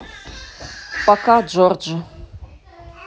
пока джорджи